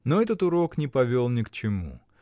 Но этот урок не повел ни к чему.